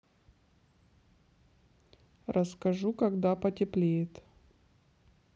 расскажу когда потеплеет